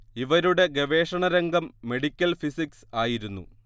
ഇവരുടെ ഗവേഷണ രംഗം മെഡിക്കൽ ഫിസിക്സ് ആയിരുന്നു